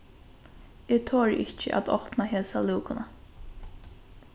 eg tori ikki at opna hesa lúkuna